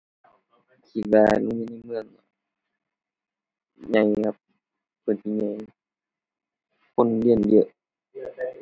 คิดว่าโรงเรียนในเมือง ใหญ่ครับ ก็สิใหญ่ คนเรียนเยอะ